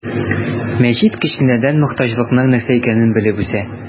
Мәҗит кечкенәдән мохтаҗлыкның нәрсә икәнен белеп үсә.